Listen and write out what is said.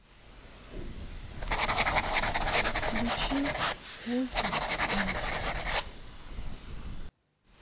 включи оззи осборн